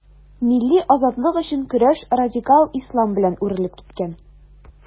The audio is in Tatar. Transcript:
Милли азатлык өчен көрәш радикаль ислам белән үрелеп киткән.